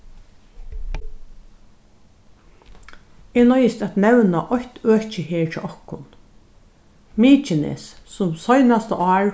eg noyðist at nevna eitt øki her hjá okkum mykines sum seinasta ár